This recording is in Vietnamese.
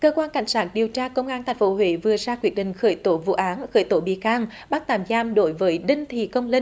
cơ quan cảnh sát điều tra công an thành phố huế vừa ra quyết định khởi tố vụ án khởi tố bị can bắt tạm giam đối với đinh thị cẩm linh